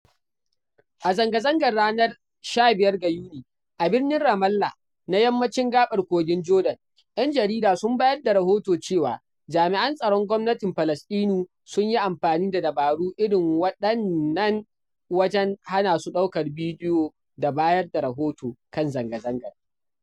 A zanga-zangar ranar 15 ga Yuni a birnin Ramallah na Yammacin Gaɓar Kogin Jordan, ‘yan jarida sun bayar da rahoto cewa jami’an tsaron gwamnatin Falasɗinu sun yi amfani da dabaru irin waɗannan wajen hana su ɗaukar bidiyo da bayar da rahoto kan zanga-zangar.